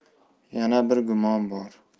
yana bir gumon bor